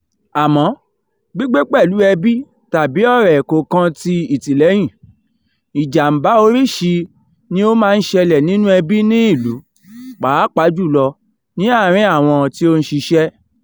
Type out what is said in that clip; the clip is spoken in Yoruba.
Àmọ́ gbígbé pẹ̀lú ẹbí tàbí ọ̀rẹ́ kò kan ti ìtìlẹyìn. Ìjàmbá oríṣi ni ó máa ń ṣẹlẹ̀ nínú ẹbí ní ìlú, pàápàá jù lọ ní àárín àwọn tí ó ń ṣiṣẹ́.